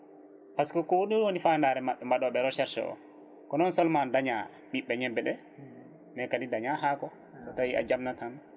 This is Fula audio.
par ce que :frako hoɗum woni fandare mabɓe mbaɗoɓe recherche o ko non seulement daaña ɓiɓɓe ñebbe ɗe mais kadi daaña haako so tawi a jamnat tan